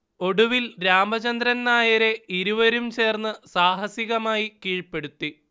ഒടുവിൽ രാമചന്ദ്രൻ നായരെ ഇരുവരും ചേർന്നു സാഹസികമായി കീഴ്പെടുത്തി